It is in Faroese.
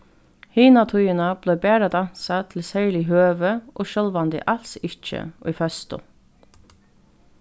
hina tíðina bleiv bara dansað til serlig høvi og sjálvandi als ikki í føstu